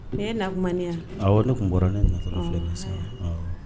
Nin y'e nakumani ye a awɔ ne tun bɔra ne natɔla filɛ san ɔɔ haya awɔ